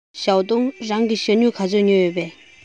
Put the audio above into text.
ཞའོ ཏུང རང གིས ཞྭ སྨྱུག ག ཚོད ཉོས ཡོད པས